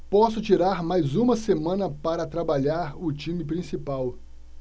posso tirar mais uma semana para trabalhar o time principal